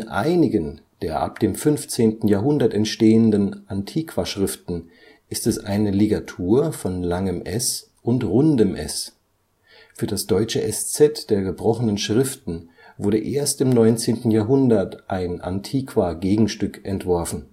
einigen der ab dem 15. Jahrhundert entstehenden Antiquaschriften ist es eine Ligatur von langem ſ und rundem s. Für das deutsche Eszett der gebrochenen Schriften wurde erst im 19. Jahrhundert ein Antiqua-Gegenstück entworfen